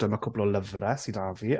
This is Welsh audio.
Dyma cwpl o lyfrau sydd 'da fi.